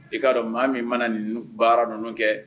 I'a dɔn maa min mana nin baara ninnu kɛ